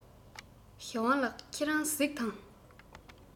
ཞའོ ཝང ལགས ཁྱེད རང གཟིགས དང